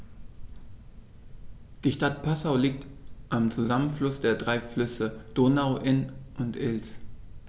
Die Stadt Passau liegt am Zusammenfluss der drei Flüsse Donau, Inn und Ilz.